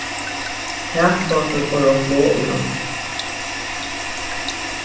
takplátur fóru á flog í nátt